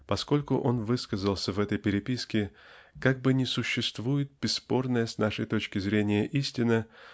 поскольку он высказался в этой переписке как бы не существует бесспорная с нашей точки зрения. истина